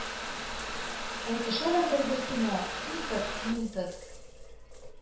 Әйтешәләр бер-берсенә: «Син тот, мин тот!»